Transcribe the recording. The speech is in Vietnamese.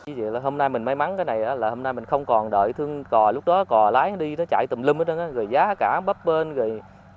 chia sẻ hôm nay mình may mắn cái này là hôm nay mình không còn đợi thương cò lúc đó còn lấy đi nó chạy tùm lum hết trơn rồi giá cả bấp bênh rồi